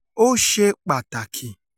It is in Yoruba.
Ó ṣe pàtàkì.